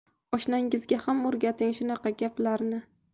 oshnangizga ham o'rgating shunaqa gaplarni